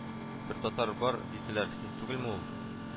— бер татар бар, диделәр. сез түгелме ул